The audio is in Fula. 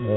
eyyi